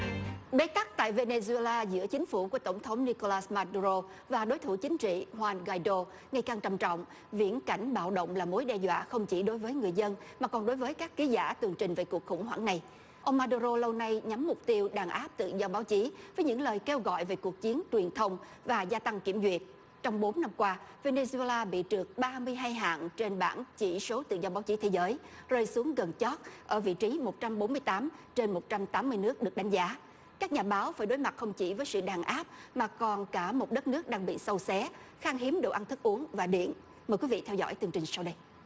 bế tắc tại vê nê duê la giữa chính phủ của tổng thống ni cô lát ma đu rô và đối thủ chính trị hoan gai đô ngày càng trầm trọng viễn cảnh bạo động là mối đe dọa không chỉ đối với người dân mà còn đối với các ký giả tường trình về cuộc khủng hoảng này ông ma đu rô lâu nay nhắm mục tiêu đàn áp tự do báo chí với những lời kêu gọi về cuộc chiến truyền thông và gia tăng kiểm duyệt trong bốn năm qua vê nê duê la bị trừ ba mươi hai hạng trên bảng chỉ số tự do báo chí thế giới rơi xuống gần chót ở vị trí một trăm bốn mươi tám trên một trăm tám mươi nước được đánh giá các nhà báo phải đối mặt không chỉ với sự đàn áp mà còn cả một đất nước đang bị xâu xé khan hiếm đồ ăn thức uống và điện mời quý vị theo dõi tường trình sau đây